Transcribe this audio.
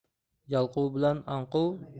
yalqov bilan anqov